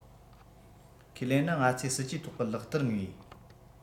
ཁས ལེན ནི ང ཚོའི སྲིད ཇུས ཐོག གི ལག བསྟར ངོས